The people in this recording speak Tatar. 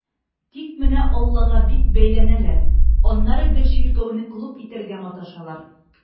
Тик менә аллага бик бәйләнәләр, аннары гел чиркәүне клуб итәргә маташалар.